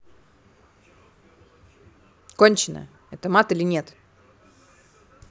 конченая это мат или нет